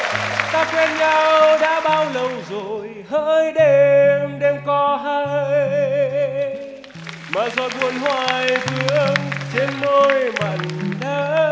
ta quen nhau đã bao lâu rồi hỡi đêm đêm có hay mà giọt buồn hoài vương trên môi mặn đắng